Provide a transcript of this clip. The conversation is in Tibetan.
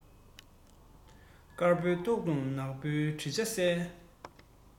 དཀར པོའི ཐོག ཏུ ནག པོའི བྲིས ཆ གསལ